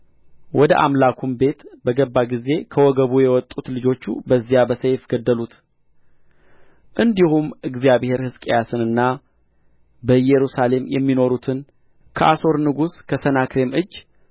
ወደ አምላኩም ቤት በገባ ጊዜ ከወገቡ የወጡት ልጆቹ በዚያ በሰይፍ ገደሉት እንዲሁም እግዚአብሔር ሕዝቅያስንና በኢየሩሳሌም የሚኖሩትን ከአሦር ንጉሥ ከሰናክሬም እጅ